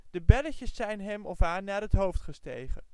de belletjes zijn hem/haar naar het hoofd gestegen